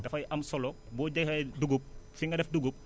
dafay am solo boo defee dugub fi nga def dugub